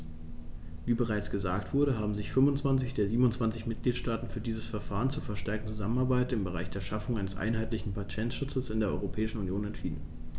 Wie bereits gesagt wurde, haben sich 25 der 27 Mitgliedstaaten für dieses Verfahren zur verstärkten Zusammenarbeit im Bereich der Schaffung eines einheitlichen Patentschutzes in der Europäischen Union entschieden.